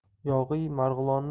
yog'iy mar g'ilonni